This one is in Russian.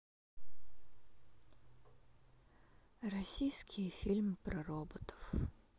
российские фильмы про роботов